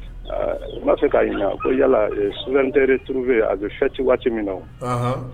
Nnb'a fɛ k'a ɲinika ko yala souvereinité retrouvée a bɛ fêté waati min na, anhan.